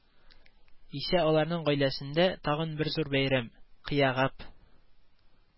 Исә аларның гаиләсендә тагын бер зур бәйрәм кыягап